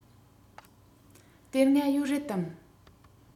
དེ སྔ ཡོད རེད དམ